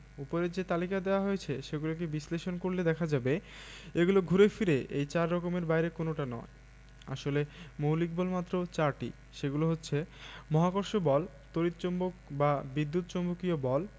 ওপরে যে তালিকা দেওয়া হয়েছে সেগুলোকে বিশ্লেষণ করা হলে দেখা যাবে এগুলো ঘুরে ফিরে এই চার রকমের বাইরে কোনোটা নয় আসলে মৌলিক বল মাত্র চারটি সেগুলো হচ্ছে মহাকর্ষ বল তড়িৎ চৌম্বক বা বিদ্যুৎ চৌম্বকীয় বল